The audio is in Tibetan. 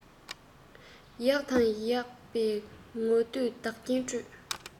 ཡག ན ཡག པས ངོ བསྟོད བདག རྐྱེན སྤྲོད